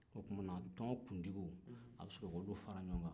o tumana tunkuntigiw a bɛ sɔrɔ k'olu fara ɲɔgɔn kan